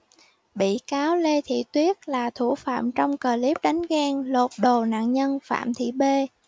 bị cáo lê thị tuyết là thủ phạm trong clip đánh ghen lột đồ nạn nhân phạm thị b